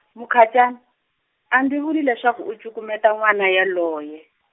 Mukhacani, a ndzi vuli leswaku u cukumeta n'wana yoloye.